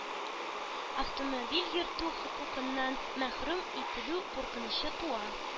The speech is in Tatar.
Автомобиль йөртү хокукыннан мәхрүм ителү куркынычы туа.